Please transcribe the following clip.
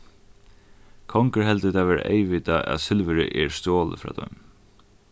kongur heldur tað vera eyðvitað at silvurið er stjolið frá teimum